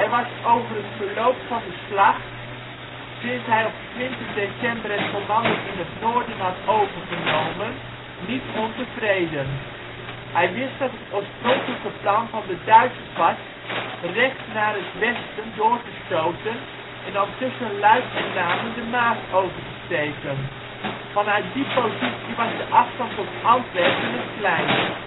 was over het verloop van de slag sinds hij op 20 december het commando in het noorden had overgenomen niet ontevreden. Hij wist dat het oorspronkelijke plan van de Duitsers was recht naar het westen door te stoten en dan tussen Luik en Namen de Maas over te steken. Vanuit die positie was de afstand tot Antwerpen het kleinst